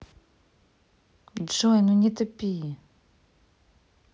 джой ну не тупи